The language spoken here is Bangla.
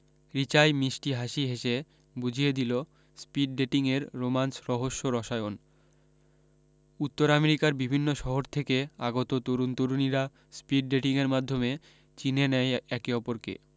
রিচাই মিষ্টি হাসি হেসে বুঝিয়ে দিল স্পীড ডেটিং এর রোম্যান্স রহস্য রসায়ন উত্তর আমেরিকার বিভিন্ন শহর থেকে আগত তরুণ তরুণীরা স্পীড ডেটিং এর মাধ্যমে চীনে নেয় একে অপরকে